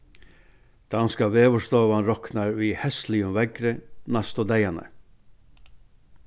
danska veðurstovan roknar við heystligum veðri næstu dagarnar